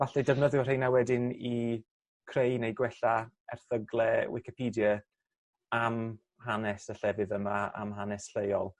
falle defnyddio rheina wedyn i creu neu gwella erthygle wicipedie am hanes y llefydd yma am hanes lleol.